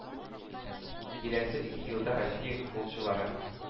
Киләсе ике елда Россия футболчылары